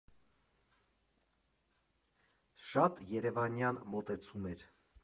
Շատ երևանյան մոտեցում էր։